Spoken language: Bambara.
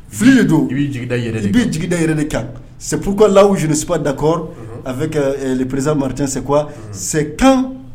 Fili de don i b bɛ jigida yɛlɛ i bɛ jigida yɛrɛ de kan sepu ka layp dakɔ a fɛ prezsa marirec sɛ qu sɛkan